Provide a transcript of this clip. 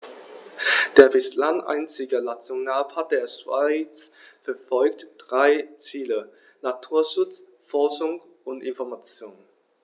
Der bislang einzige Nationalpark der Schweiz verfolgt drei Ziele: Naturschutz, Forschung und Information.